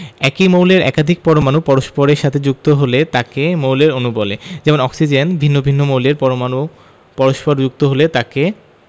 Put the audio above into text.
একই মৌলের একাধিক পরমাণু পরস্পরের সাথে যুক্ত হলে তাকে মৌলের অণু বলে যেমন অক্সিজেন ভিন্ন ভিন্ন মৌলের পরমাণু পরস্পর যুক্ত হলে তাকে